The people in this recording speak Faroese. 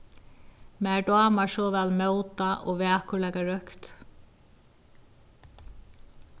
mær dámar so væl móta og vakurleikarøkt